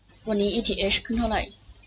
วันนี้อีทีเฮชขึ้นเท่าไหร่